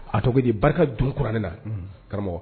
A tɔgɔ di barika duran ne na karamɔgɔ